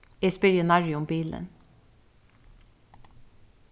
eg spyrji nærri um bilin